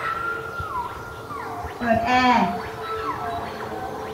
เปิดแอร์